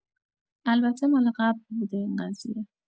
البته مال قبل بوده این قضیه!